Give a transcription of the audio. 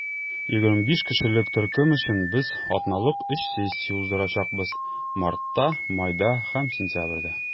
25 кешелек төркем өчен без атналык өч сессия уздырачакбыз - мартта, майда һәм сентябрьдә.